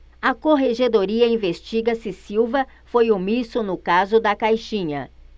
a corregedoria investiga se silva foi omisso no caso da caixinha